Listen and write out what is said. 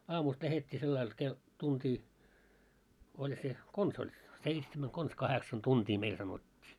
aamusta lähdettiin sillä lailla - tuntia oli se konsa oli seitsemän konsa kahdeksan tuntia meille sanottiin